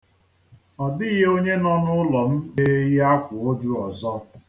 Ọ dịghị onye nọ n'ụlọ m ga-eyi akwaụjụ ọzọ.